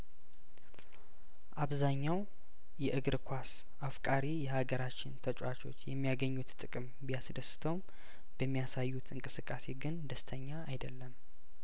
አብዛኛው የእግር ኳስ አፍቃሪ የሀገራችን ተጫዋቾች የሚያገኙት ጥቅም ቢያስ ደስተውም በሚያሳዩት እንቅስቃሴ ግን ደስተኛ አይደለም